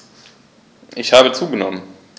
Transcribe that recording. Ich habe zugenommen.